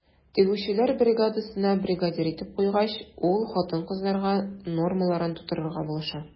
Тегүчеләр бригадасына бригадир итеп куйгач, ул хатын-кызларга нормаларын тутырырга булыша.